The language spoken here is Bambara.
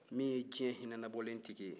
min ye diɲɛ hinɛ labɔlen tigi ye